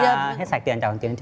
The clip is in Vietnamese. a hết sạch tiền chả còn tiền